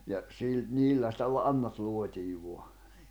ja - niillä sitä lannat luotiin vain